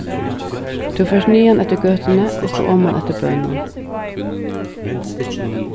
tú fert niðan eftir gøtuni og so oman eftir bønum